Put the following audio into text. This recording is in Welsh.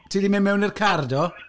Ti 'di mynd mewn i'r car, do?